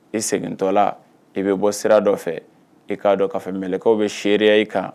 I segintɔla i bɛ bɔ sira dɔ fɛ i k'a dɔn ka fɛ mɛkaw bɛ seya i kan